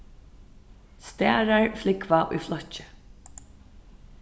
starar flúgva í flokki